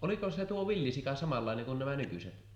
oliko se tuo villisika samanlainen kuin nämä nykyiset